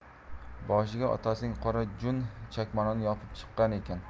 boshiga otasining qora jun chakmonini yopinib chiqqan ekan